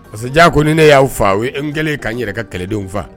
Masajan ko ne ne y'aw faa o ye e n kɛlen ka'an yɛrɛ ka kɛlɛdenw faa